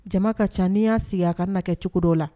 Jama ka caani y'a sigi a ka na kɛ cogo dɔ la